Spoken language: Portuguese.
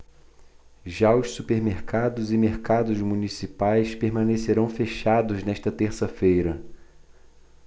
já os supermercados e mercados municipais permanecerão fechados nesta terça-feira